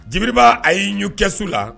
Dibiba a y'i' kɛ su la